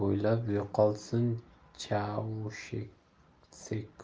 mamlakat bo'ylab yo'qolsin chaushesku